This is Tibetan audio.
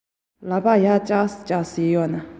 སྣའི རྩེ མོ ལྡག ཙམ ལྡག ཙམ བྱས ནས